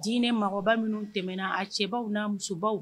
Dinɛ mɔgɔba minnu tɛmɛna a cɛw na musobaw